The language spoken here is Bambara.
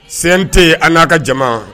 Se tɛ an n'a ka jama